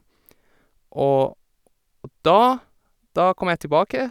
og Og da da kom jeg tilbake.